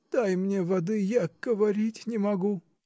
Дай мне воды; я говорить не могу.